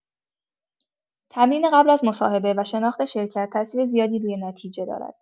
تمرین قبل از مصاحبه و شناخت شرکت، تاثیر زیادی روی نتیجه داره.